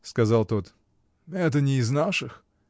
— сказал тот, — это не из наших.